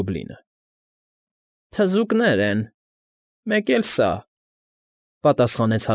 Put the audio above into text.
Գոբլինը։ ֊ Թզուկներ են, մեկ էլ սա,֊ պատասխանեց։